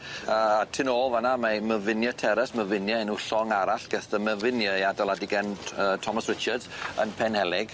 A tu nôl fan 'na mae Myfinia Terrace Myfinia enw llong arall gethd y Myfinia ei adeiladu gan T- yy Thomas Richards yn Penhelig.